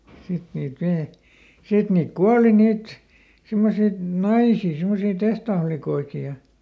sitten niitä - sitten niitä kuoli niitä semmoisia naisia semmoisia tehtaanlikkoja ja